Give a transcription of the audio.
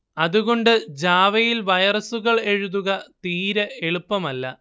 അതുകൊണ്ട് ജാവയിൽ വൈറസുകൾ എഴുതുക തീരെ എളുപ്പമല്ല